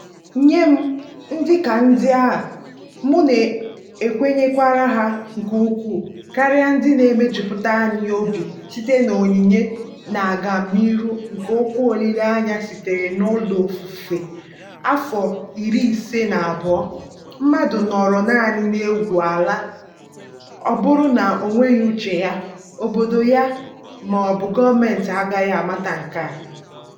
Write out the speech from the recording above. Nye m, ndị dị ka ndị a, m na-ekwenyekarị ha nke ukwuu, karịa ndị na-emejupụta anyị obi site na onyinye na-aga n'ihu nke okwu olile anya sitere n'ụlọ ofufe, afọ 52 mmadụ nọọrọ naanị na-egwu ala — ọ bụrụ na ọ nweghị uche ya, obodo ya ma ọ bụ gọọmentị agaghị amata nke a?